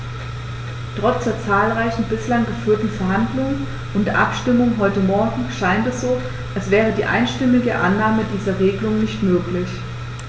Trotz der zahlreichen bislang geführten Verhandlungen und der Abstimmung heute Morgen scheint es so, als wäre die einstimmige Annahme dieser Regelung nicht möglich.